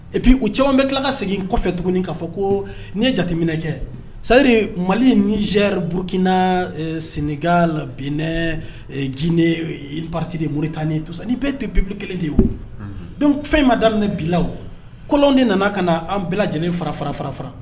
Bi u caman bɛ tila ka segin kɔfɛ tuguni k'a fɔ ko n'i ye jateminɛ kɛ sayiri mali ni burukina sen la bi ne jinɛ pati de mori tan ni to ni bɛɛ to pebi kelen de o don fɛn ma daminɛ ne bi la kolonlɔn de nana ka an bɛɛ lajɛlen fara fara fara fara